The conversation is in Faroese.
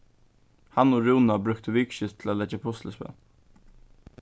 hann og rúna brúktu vikuskiftið til at leggja puslispæl